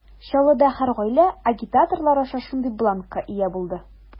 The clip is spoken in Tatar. Чаллыда һәр гаилә агитаторлар аша шундый бланкка ия булды.